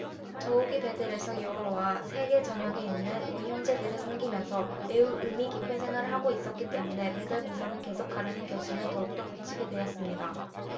더욱이 베델에서 여호와와 세계 전역에 있는 우리 형제들을 섬기면서 매우 의미 깊은 생활을 하고 있었기 때문에 베델 봉사를 계속하려는 결심을 더욱더 굳히게 되었습니다